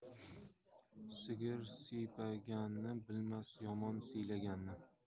sigir siypaganni bilmas yomon siylaganni